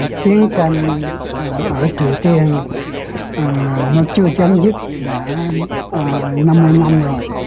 chiến tranh ở triều tiên nó chưa chấm dứt đã năm mươi năm rồi